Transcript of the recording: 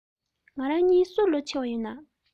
ང རང གཉིས སུ ལོ ཆེ བ ཡོད ན